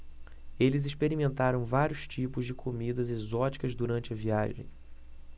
eles experimentaram vários tipos de comidas exóticas durante a viagem